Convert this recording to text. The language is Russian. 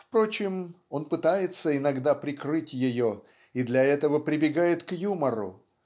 Впрочем, он пытается иногда прикрыть ее и для этого прибегает к юмору